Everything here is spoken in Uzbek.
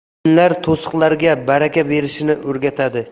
dinlar to'siqlarga baraka berishni o'rgatadi